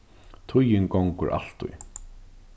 tíðin gongur altíð